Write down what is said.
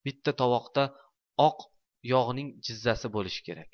bitta tovokda oq yog'ning jizzasi bo'lishi kerak